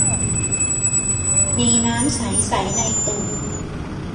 มีน้ำใสใสในตุ่ม